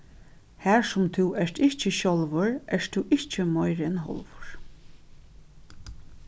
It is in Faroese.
har sum tú ert ikki sjálvur ert tú ikki meiri enn hálvur